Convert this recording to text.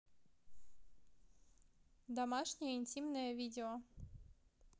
домашнее интимное видео